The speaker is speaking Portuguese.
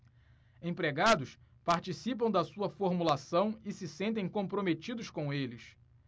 empregados participam da sua formulação e se sentem comprometidos com eles